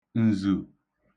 ǹzù